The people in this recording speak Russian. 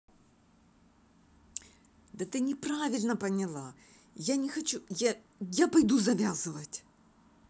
да ты неправильно поняла я не хочу я я пойду завязывать